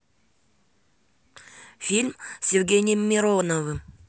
фильм с евгением мироновым